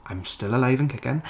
I'm still alive and kicking.